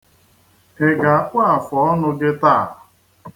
Ị ga-akpụ afụọnụ gị taa?